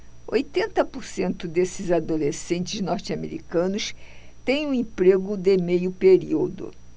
oitenta por cento desses adolescentes norte-americanos têm um emprego de meio período